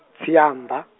Tsianda.